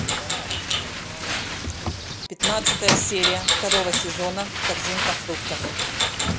пятнадцатая серия второго сезона корзинка фруктов